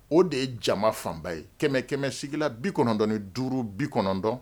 O de ye jama fanba ye kɛmɛ kɛmɛsigila bi kɔnɔntɔnɔnin duuru bi kɔnɔntɔn